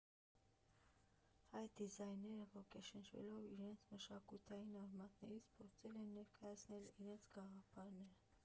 Հայ դիզայներները, ոգեշնչվելով իրենց մշակութային արմատներից, փորձել են ներկայացնել իրենց գաղափարները։